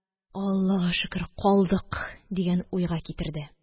Аллага шөкер, калдык!» дигән уйга китерде